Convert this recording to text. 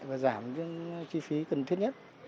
và giảm cái chi phí cần thiết nhất